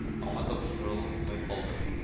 Аңа тапшырылмый калды